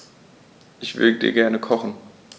Ich würde gerne kochen.